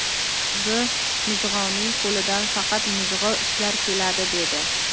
bu mijg'ovning qo'lidan faqat mijg'ov ishlar keladi dedi